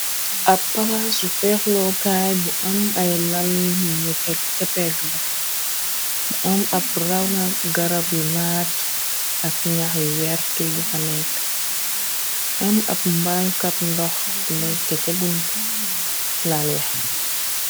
ab pala su feexlookaay bu am ay lal yu ñu teg ca pegg ba mu am ab raw nga garab yu naat ak ñax yu wert yu fa nekk am ab mbalkab ndox bu nekk ca bun lale.